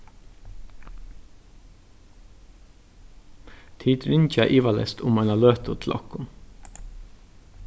tit ringja ivaleyst um eina løtu til okkum